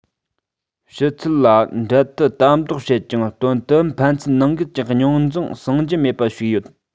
ཕྱི ཚུལ ལ འབྲེལ མཐུད དམ མདོག བྱེད ཀྱང དོན དུ ཕན ཚུན ནང འགལ གྱི རྙོག འཛིང སངས རྒྱུ མེད པ ཞིག ཡོད